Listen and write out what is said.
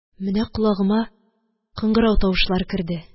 Менә колагыма кыңгырау тавышлары керде.